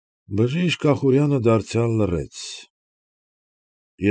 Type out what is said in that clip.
Բժիշկ Ախուրյանը դարձյալ լռեց։